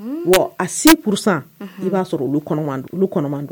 Wa a se kurusan i b'a sɔrɔ kɔnɔ